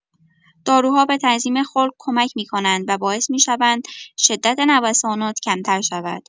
داروها به تنظیم خلق کمک می‌کنند و باعث می‌شوند شدت نوسانات کمتر شود.